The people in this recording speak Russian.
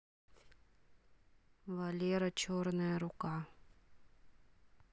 валера черная рука